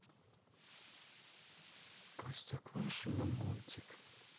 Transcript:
простоквашино мультик